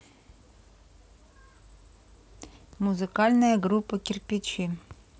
музыкальная группа кирпичи